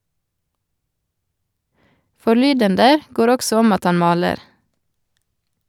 Forlydender går også om at han maler.